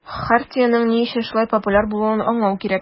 Хартиянең ни өчен шулай популяр булуын аңлау кирәк.